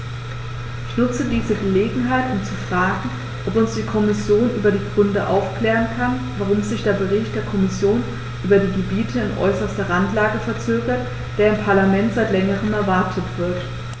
Ich nutze diese Gelegenheit, um zu fragen, ob uns die Kommission über die Gründe aufklären kann, warum sich der Bericht der Kommission über die Gebiete in äußerster Randlage verzögert, der im Parlament seit längerem erwartet wird.